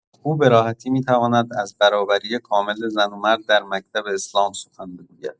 او به‌راحتی می‌تواند از برابری کامل زن و مرد در مکتب اسلام سخن بگوید.